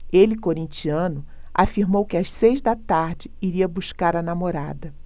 ele corintiano afirmou que às seis da tarde iria buscar a namorada